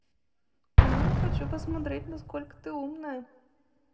ну хочу посмотреть насколько ты умная